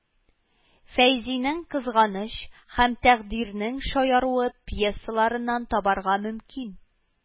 Фәйзинең Кызганыч һәм Тәкъдирнең шаяруы пьесаларыннан табарга мөмкин